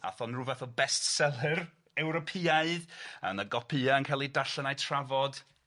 Ath o'n rw fath o bestseller Ewropeaidd a o' 'na gopïa' yn ca'l 'u darllen a'u trafod